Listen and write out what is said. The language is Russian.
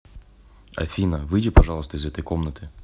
афина выйди пожалуйста из этой программы